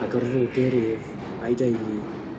a gorfodir ef a'i deulu